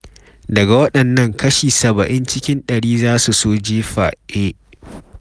Daga waɗannan, kashi 70 cikin ɗari za su so su jefa eh.